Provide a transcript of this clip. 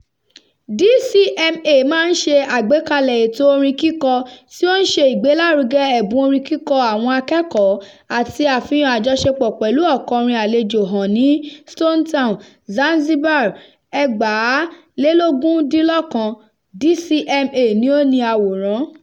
DCMA máa ń ṣe àgbékalẹ̀ ètò orin kíkọ tí ó ń ṣe ìgbélárugẹ ẹ̀bùn orin kíkọ àwọn akẹ́kọ̀ọ́ àti àfihàn àjọṣepọ̀ pẹ̀lú ọ̀kọrin àlejò hàn ní, Stone Town, Zanzibar, 2019. DCMA ni ó ni àwòrán.